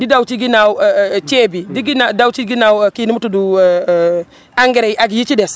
di daw ci ginnaaw ceeb yi di ginaaw daw ci ginnaaw kii nu mu tudd engrais yi ak yi ci des